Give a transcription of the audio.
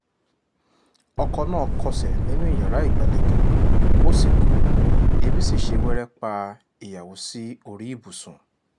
Ọkọ náà kọsẹ̀ nínú yàrá ìgbàlejò, ó sì kú, ebí sì ṣe wẹ́rẹ́ pa ìyàwó sí orí ibùsùn.